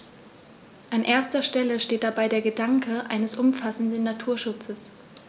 An erster Stelle steht dabei der Gedanke eines umfassenden Naturschutzes.